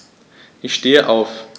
Ich stehe auf.